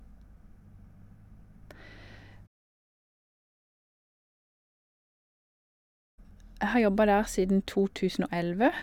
Jeg har jobba der siden to tusen og elleve.